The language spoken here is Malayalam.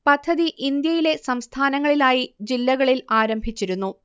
പദ്ധതി ഇന്ത്യയിലെ സംസ്ഥാനങ്ങളിലായി ജില്ലകളിൽ ആരംഭിച്ചിരുന്നു